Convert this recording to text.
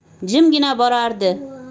jimgina borardi